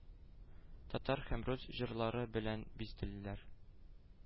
Татар һәм рус җырлары белән бизәделәр